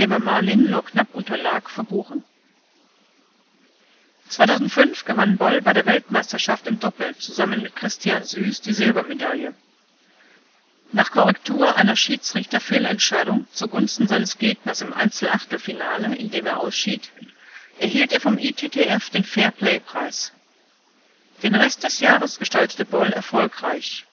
er Ma Lin nur knapp unterlag, verbuchen. 2005 gewann Boll bei der Weltmeisterschaft im Doppel zusammen mit Christian Süß die Silbermedaille. Nach Korrektur einer Schiedsrichterfehlentscheidung zu Gunsten seines Gegners im Einzel-Achtelfinale, in dem er ausschied, erhielt er vom ITTF den Fair-Play-Preis. Den Rest des Jahres gestaltete Boll erfolgreich